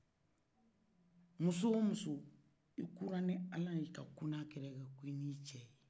musow musow n'i kula ni alaye ka ku n'a kiraye ka ku ni cɛye